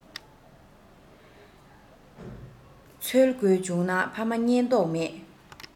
འཚོལ དགོས བྱུང ན ཕ མ རྙེད མདོག མེད